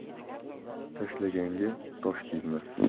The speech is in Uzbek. tashlaganga tosh tegmas